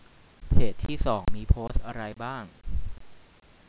เพจที่สองมีโพสต์อะไรบ้าง